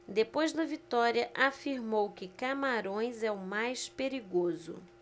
depois da vitória afirmou que camarões é o mais perigoso